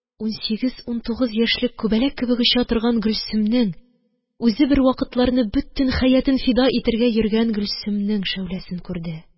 Унсигез-унтугуыз яшьлек күбәләк кебек оча торган гөлсемнең, үзе бер вакытларны бөтен хәятын фида итәргә йөргән гөлсемнең шәүләсен күрде